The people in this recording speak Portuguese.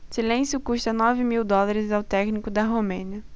silêncio custa nove mil dólares ao técnico da romênia